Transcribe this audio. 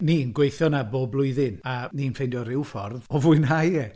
Ni'n gweithio 'na bob blwyddyn, a ni'n ffeindio ryw ffordd o fwynhau e!